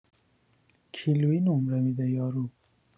کیلویی نمره می‌ده یارو